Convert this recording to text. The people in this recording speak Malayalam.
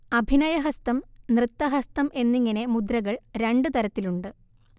അഭിനയഹസ്തം, നൃത്തഹസ്തം എന്നിങ്ങനെ മുദ്രകൾ രണ്ട് തരത്തിലുണ്ട്